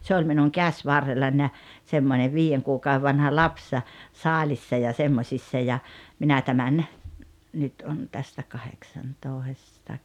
se oli minun käsivarrellani ja semmoinen viiden kuukauden vanha lapsi saalissa ja semmoisissa ja minä tämän nyt on tästä kahdeksantoista -